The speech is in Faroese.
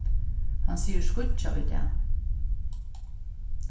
hann sigur skýggjað í dag